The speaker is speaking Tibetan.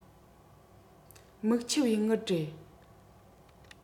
མིག ཆུ བའི དངུལ རེད